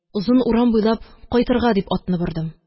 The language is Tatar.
Озын урам буйлап кайтырга дип атны бордым